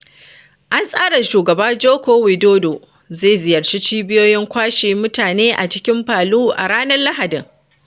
An tsara Shugaba Joko Widodo zai ziyarci cibiyoyin kwashewa mutane a cikin Palu a ranar Lahadi.